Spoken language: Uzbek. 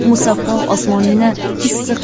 musaffo osmoningni issiq chang